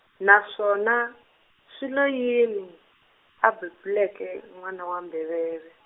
naswona, swi lo yini, a bebuleke n'wana wa mbheveve?